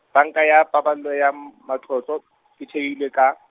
Banka ya Paballo ya m- Matlotlo, e theilwe ka.